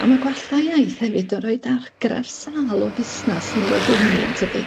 A ma' gwalla iaith hefyd y' rhoid argraff sâl o fusnas neu o gwmni, yntydi?